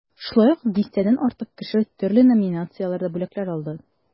Шулай ук дистәдән артык кеше төрле номинацияләрдә бүләкләр алды.